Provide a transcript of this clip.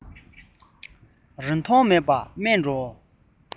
རིན ཐང མེད པ མིན འགྲོ